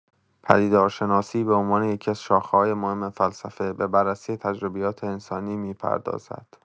پدیدارشناسی به عنوان یکی‌از شاخه‌های مهم فلسفه، به بررسی تجربیات انسانی می‌پردازد.